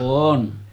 on